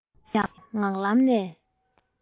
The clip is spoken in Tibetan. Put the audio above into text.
ཡང ངག ལམ ནས